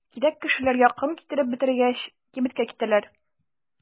Кирәк кешеләргә ком китереп бетергәч, кибеткә китәләр.